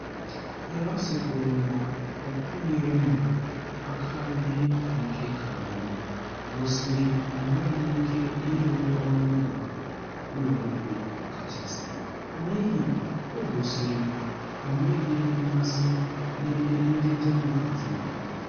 Pelosi kwuru na ọ kwenyere na akaebe nke Kavanaugh gosiri ọ nweghị ike ịrụ ọrụ na Ụlọ Ikpe Kachasị, n’ihi o gosiri na ọ nweghị mmasị n’ebe ndị Demokrat nọ.